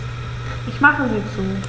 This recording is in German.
Ich mache sie zu.